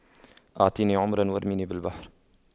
اعطني عمرا وارميني بالبحر